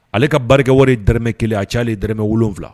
Ale ka barikakɛ wari dmɛ kelen a caya'ale dwula